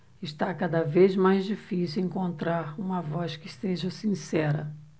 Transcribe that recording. está cada vez mais difícil encontrar uma voz que seja sincera